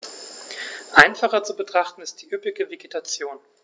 Einfacher zu betrachten ist die üppige Vegetation.